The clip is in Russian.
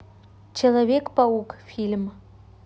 человек паук фильм